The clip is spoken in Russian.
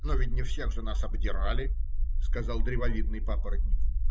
– Но ведь не всех же нас обдирали, – сказал древовидный папоротник.